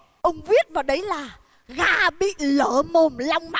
ông viết vào đấy là gà bị lở mồm